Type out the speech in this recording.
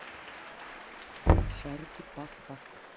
шарики пах пах